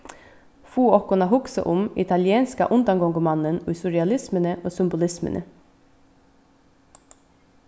fáa okkum at hugsa um italienska undangongumannin í surrealismuni og symbolismuni